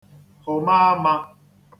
hụ̀ma āmā